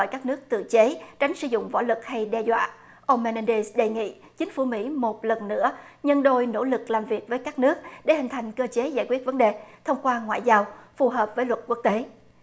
gọi các nước tự chế tránh sử dụng vũ lực hay đe dọa ông me ne đây đề nghị chính phủ mỹ một lần nữa nhân đôi nỗ lực làm việc với các nước để hình thành cơ chế giải quyết vấn đề thông qua ngoại giao phù hợp với luật quốc tế